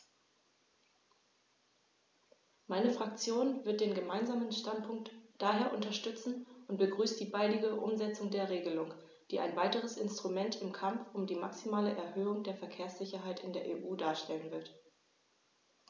Meine Fraktion wird den Gemeinsamen Standpunkt daher unterstützen und begrüßt die baldige Umsetzung der Regelung, die ein weiteres Instrument im Kampf um die maximale Erhöhung der Verkehrssicherheit in der EU darstellen wird.